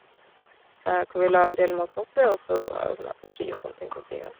Hvor vi la grillmaten oppi, og så var det sånn der pommes frites og sånne ting på sia av.